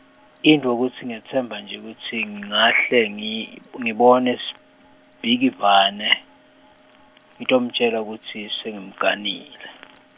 intfo kutsi ngetsemba nje kutsi ngingahle, ngi- ngibone, Sibhikivane, ngitomtjela kutsi sengimganile.